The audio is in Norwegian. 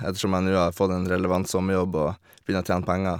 Ettersom jeg nå har fått en relevant sommerjobb og begynner å tjene penger.